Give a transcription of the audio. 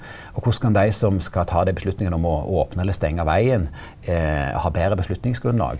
og korleis kan dei som skal ta dei avgjerdene om å opne eller stenga vegen ha betre avgjerdsgrunnlag?